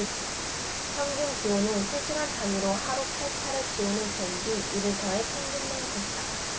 평균기온은 세 시간 단위로 하루 팔 차례 기온을 잰 뒤 이를 더해 평균 낸 것이다